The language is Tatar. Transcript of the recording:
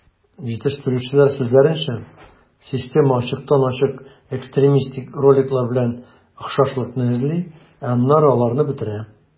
Җитештерүчеләр сүзләренчә, система ачыктан-ачык экстремистик роликлар белән охшашлыкны эзли, ә аннары аларны бетерә.